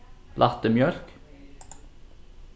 lættimjólk